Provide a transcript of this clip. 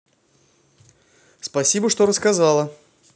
спасибо что рассказала